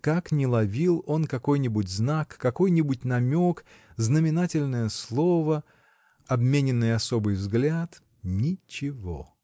Как ни ловил он какой-нибудь знак, какой-нибудь намек, знаменательное слово, обмененный особый взгляд — ничего!